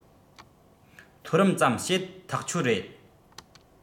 མཐོ རིམ ཙམ བཤད ཐག ཆོད རེད